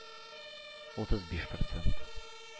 Утыз биш процент